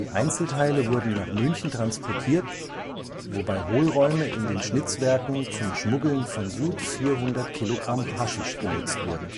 Einzelteile wurden nach München transportiert, wobei Hohlräume in den Schnitzwerken zum Schmuggeln von gut 400 Kilogramm Haschisch genutzt wurden